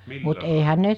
millä lailla